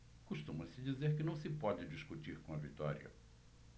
costuma-se dizer que não se pode discutir com a vitória